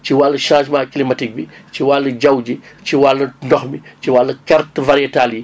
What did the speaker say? ci wàllu changement climatique bi ci wàllu jaww ji ci wàllu ndox mi ci wàll cartes variétales yi